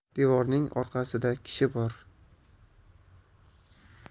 devorning orqasida kishi bor